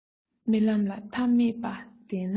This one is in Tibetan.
རྨི ལམ ལ མཐའ མེད པ བདེན ན